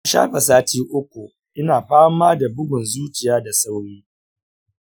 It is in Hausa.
na shafe sati uku ina fama da bugun zuciya da sauri.